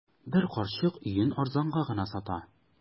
Бер карчык өен арзанга гына сата.